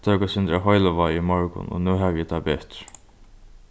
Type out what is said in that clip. eg tók eitt sindur av heilivági í morgun og nú havi eg tað betur